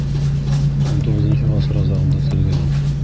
XIX гасыр азагында төзелгән ул.